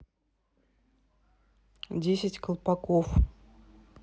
десять колпаков